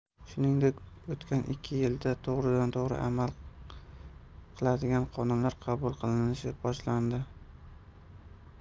shuningdek o'tgan ikki yilda to'g'ridan to'g'ri amal qiladigan qonunlar qabul qilinishi boshlandi